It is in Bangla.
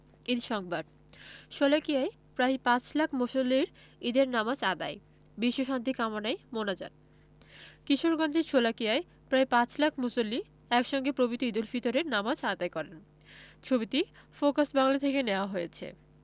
ঈদ সংবাদ শোলাকিয়ায় প্রায় পাঁচ লাখ মুসল্লির ঈদের নামাজ আদায় বিশ্বশান্তি কামনায় মোনাজাত কিশোরগঞ্জের শোলাকিয়ায় প্রায় পাঁচ লাখ মুসল্লি একসঙ্গে পবিত্র ঈদুল ফিতরের নামাজ আদায় করেন ছবিটি ফোকাস বাংলা থেকে নেয়া হয়েছে